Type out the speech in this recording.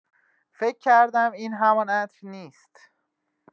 فکر کردم این همان عطر نیست.